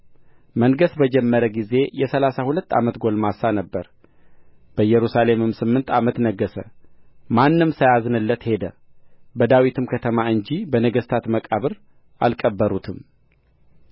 መንገሥ በጀመረ ጊዜ የሠላሳ ሁለት ዓመት ጕልማሳ ነበረ በኢየሩሳሌምም ስምንት ዓመት ነገሠ ማንም ሳያዝንለት ሄደ በዳዊትም ከተማ እንጂ በነገሥታት መቃብር አልቀበሩትም